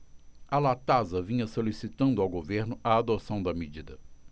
a latasa vinha solicitando ao governo a adoção da medida